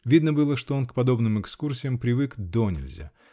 Видно было, что он к подобным экскурсиям привык донельзя